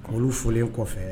A folilen kɔfɛ